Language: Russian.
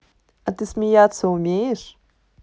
а ты смеяться умеешь